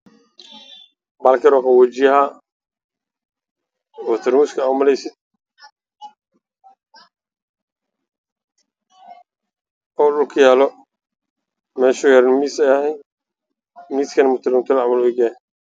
Waa sadex turmuus oo kala duwan mid wii yar yahay mid waa dhexdhexaad in midafkoodu waa wada cagaar